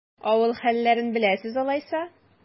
Авыл хәлләрен беләсез алайса?